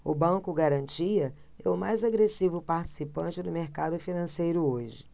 o banco garantia é o mais agressivo participante do mercado financeiro hoje